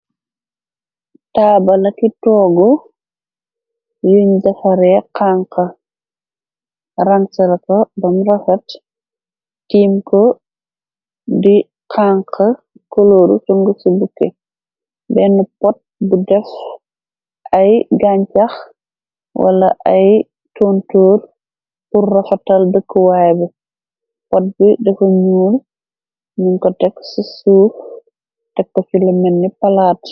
Taabal laki toogu yuñ defare xank ranserka ban rafa tiim ko di xank. Kolooru sung ci bukke benn pot bu def ay gancax wala ay tontur pur rafatal dëkkuwaay b,Pot bi defa nuur nun ko tek ci suuf tekko cu la menni palaat.